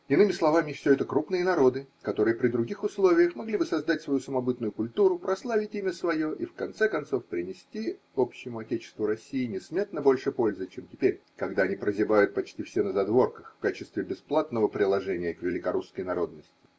Иными словами, все это крупные народы, которые при других условиях могли бы создать свою самобытную культуру, прославить имя свое и, в конце концов, принести общему отечеству России несметно больше пользы, чем те перь, когда они прозябают почти все на задворках, в качестве бесплатного приложения к великорусской народности.